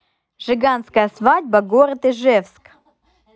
жиганская свадьба город ижевск